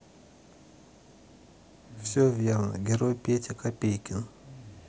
все верно герой петя копейкин